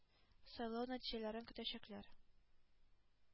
Сайлау нәтиҗәләрен көтәчәкләр.